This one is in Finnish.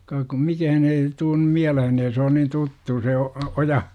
kas kun mikään ei tule nyt mieleen ei se on niin tuttu se - oja